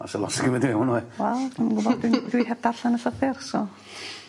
Nath e losgi Wel dw'm yn gwbo dim dwi heb darllan y llythyr so...